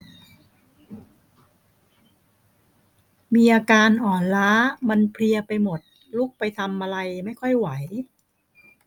มีอาการอ่อนล้ามันเพลียไปหมดลุกไปทำอะไรไม่ค่อยไหว